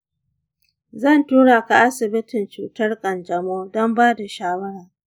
zan tura ka asibatin cutar ƙanjamau don ba da shawara.